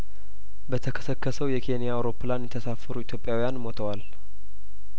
በተከሰከሰው የኬንያ አውሮፕላን የተሳፈሩ ኢትዮጵያውያን ሞተዋል